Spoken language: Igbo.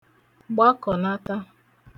gbakọ̀nata